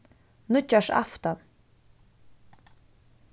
nýggjársaftan